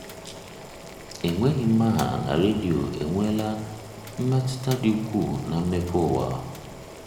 Enwenghị mgagha na redio enweela mmetụta dị ukwuu na mmepe ụwa.